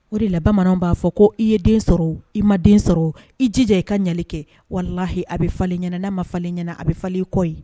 O de la bamananw b'a fɔ ko i ye den sɔrɔ i ma den sɔrɔ i jija i ka ɲali kɛ walahi a bɛ falen ɲɛnaana a ma fa- ɲɛna a bɛ falenli kɔ ye